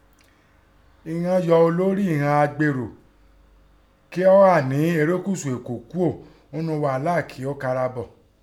Ighọ́n yọ olórí ighọn agbèrò kí ọ́ hà ní erékùṣù Èkó kúò ńnú ghàhálà kí ọ́ kara bọ̀.